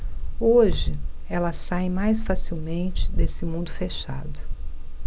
hoje elas saem mais facilmente desse mundo fechado